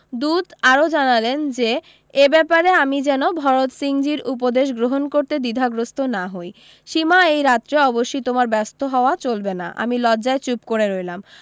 দূত আরও জানালেন যে এ ব্যাপারে আমি যেন ভরত সিংজীর উপদেশ গ্রহন করতে দ্বিধাগ্রস্ত না হৈ সীমা এই রাত্রে অবশ্যি তোমার ব্যস্ত হওয়া চলবে না আমি লজ্জায় চুপ করে রইলাম